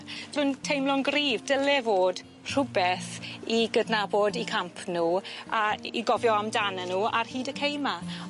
Dwi'n teimlo'n gryf dyle fod rhwbeth i gydnabod eu camp nw a i gofio amdanyn nw ar hyd y cei 'ma.